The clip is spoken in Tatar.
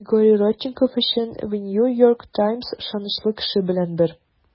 Григорий Родченков өчен The New York Times ышанычлы кеше белән бер.